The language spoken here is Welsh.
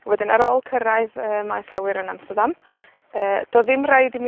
Wedyn, ar ôl cyrraedd y maes awyr yn Amsterdam, yy do'dd ddim raid i mi